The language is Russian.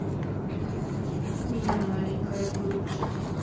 у меня маленькая грудь